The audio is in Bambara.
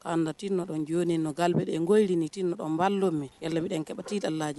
Ka nati nɔnj ni nɔnaled nkɔli ni tɛi nɔn n b'dɔ mɛ t' da laji